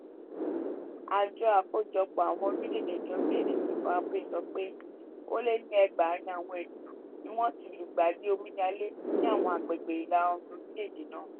Àjọ Àkójọpọ̀ Àwọn Orílẹ̀-èdè ní orílẹ̀-èdè Zimbabwe sọ pé ó lé ní 8000 àwọn ènìyàn ní wọ́n ti lùgbàdì omíyalé ní àwọn agbègbè ìlà oòrùn orílẹ̀-èdè náà.